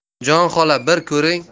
jon xola bir ko'ring